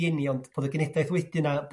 rhieni ond bod y gen'edlaeth wedyn a